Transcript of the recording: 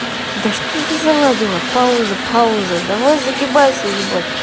да что ты заладила пауза пауза давай загибайся ебать